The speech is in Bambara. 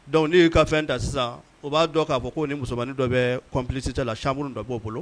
Donc n'u y'i ka fɛn da sisan u b'a dɔn k'a fɔ k'o ni musomanin dɔ bɛ complicité la chambre dɔ b'o bolo